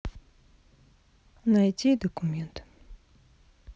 найти документ